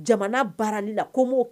Jamana baaralen na ko